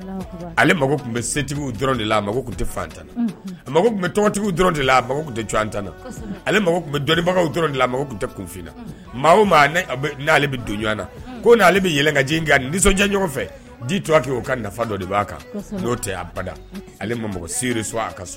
Ale mako tun bɛtigiw de a mako tɛ fan tanana a mako tun bɛ tɔgɔtigiw dɔrɔn de la a mako tɛ tanana ale bɛ dɔnnibagaw de la mako tun tɛ kunfinnaale bɛ don na ko'ale bɛka nisɔnjan ɲɔgɔn fɛ tɔgɔ'o ka nafa dɔ de b'a kan'o tɛ ba ale ma sɔn a ka